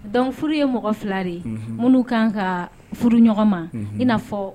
Donc furu ye mɔgɔ fila de ye , unhun, minnu kan ka furu ɲɔgɔn ma i n'afɔ